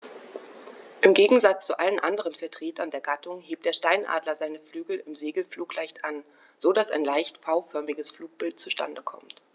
Im Gegensatz zu allen anderen Vertretern der Gattung hebt der Steinadler seine Flügel im Segelflug leicht an, so dass ein leicht V-förmiges Flugbild zustande kommt.